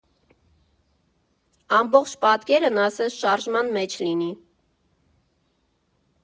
Ամբողջ պատկերն ասես շարժման մեջ լինի։